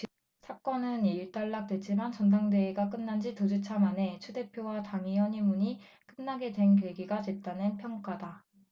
사건은 일단락됐지만 전당대회가 끝난지 두 주차 만에 추 대표와 당의 허니문이 끝나게 된 계기가 됐다는 평가다